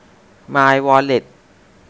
มายวอลเล็ต